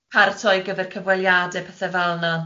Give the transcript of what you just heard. paratoi ar gyfer cyfweliade, pethe fel 'na.